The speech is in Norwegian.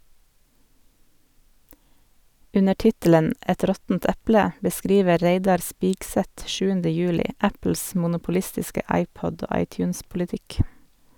Under tittelen "Et råttent eple" beskriver Reidar Spigseth 7. juli Apples monopolistiske iPod- og iTunes-politikk.